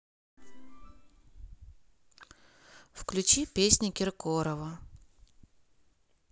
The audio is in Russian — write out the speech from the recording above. включи песни киркорова